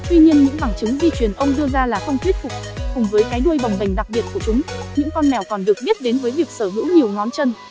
tuy nhiên những bằng chứng di truyền ông đưa ra là không thuyết phục cùng với cái đuôi bồng bềnh đặc biệt của chúng những con mèo còn được biết đến với việc sở hữu nhiều ngón chân